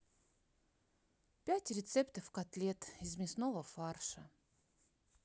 пять рецептов котлет из мясного фарша